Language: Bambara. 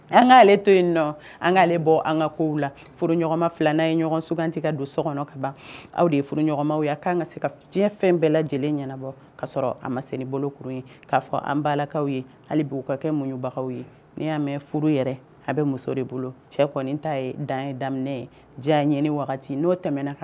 An an ka lama n'a ye ɲɔgɔn sugantigɛ don so kɔnɔ ka ban aw de ye furu ɲɔgɔnma ye'an ka se ka fɛn bɛɛ lajɛlen ɲɛnabɔ ka sɔrɔ a ma sen bolourun k'a fɔ an balakaw ye' ka kɛ munɲbagaw ye ne'i y'a mɛn furu yɛrɛ a bɛ muso de bolo cɛ kɔni ta ye dan daminɛ ye diya ɲɛ n'o tɛmɛna